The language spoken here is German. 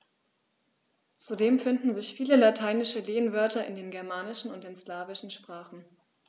Zudem finden sich viele lateinische Lehnwörter in den germanischen und den slawischen Sprachen.